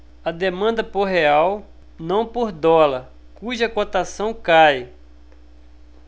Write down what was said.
há demanda por real não por dólar cuja cotação cai